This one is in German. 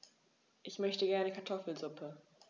Ich möchte gerne Kartoffelsuppe.